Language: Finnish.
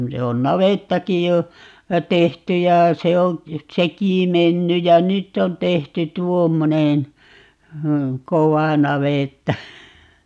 se on navettakin jo tehty ja se on sekin mennyt ja nyt on tehty tuommoinen kova navetta